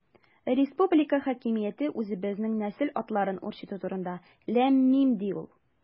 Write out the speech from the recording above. Республика хакимияте үзебезнең нәсел атларын үрчетү турында– ләм-мим, ди ул.